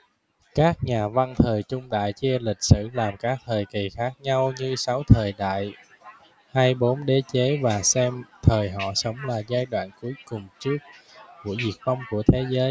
các nhà văn thời trung đại chia lịch sử làm các thời kì khác nhau như sáu thời đại hay bốn đế chế và xem thời họ sống là giai đoạn cuối cùng trước buổi diệt vong của thế giới